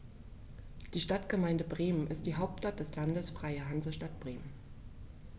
Die Stadtgemeinde Bremen ist die Hauptstadt des Landes Freie Hansestadt Bremen.